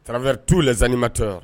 Faraɛrɛ t'u la zanali ma tɔn